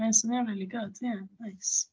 Mae o'n swnio'n rili gwd, ie, neis.